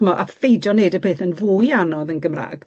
ch'mo' a pheidio wneud y peth yn fwy anodd yn Gymra'g,